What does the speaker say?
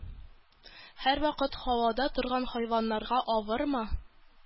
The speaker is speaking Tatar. Һәрвакыт һавада торган хайваннарга авырмы?